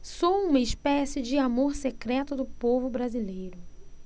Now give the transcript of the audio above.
sou uma espécie de amor secreto do povo brasileiro